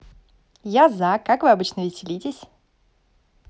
я за как вы обычно веселитесь